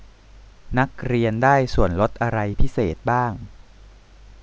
นักเรียนได้ส่วนลดอะไรพิเศษบ้าง